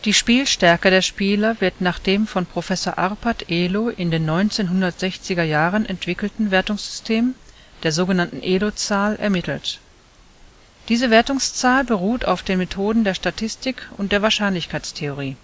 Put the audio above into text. Spielstärke der Spieler wird nach dem von Professor Arpad Elo in den 1960er Jahren entwickelten Wertungssystem, der sogenannten Elo-Zahl, ermittelt. Diese Wertungszahl beruht auf den Methoden der Statistik und der Wahrscheinlichkeitstheorie